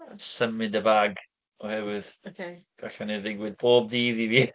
Symud y bag oherwydd... Ok. ...gall hynny ddigwydd pob dydd i fi.